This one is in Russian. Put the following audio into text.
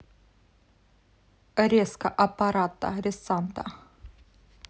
резко аппарата ресанта